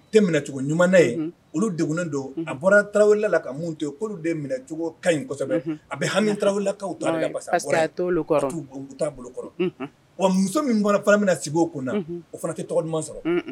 U tɛ minɛcogo ɲuman ye olu degunlen do a bɔra tarawerela la ka mun to ye k'olu de minɛcogo ka ɲi kosɛbɛ a bɛ hami tarawerelakaw ta de la parce que a bɔra ye o ta bolo kɔrɔ wa muso min fana bɛ na sigi o kun na o fana tɛ tɔgɔ duman sɔrɔ.